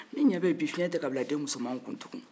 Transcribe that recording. ne ɲɛ bɛ bi fiyɛn tɛ ka bila denmusomaw kuna tuguni